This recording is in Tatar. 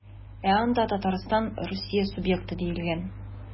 Ә анда Татарстан Русия субъекты диелгән.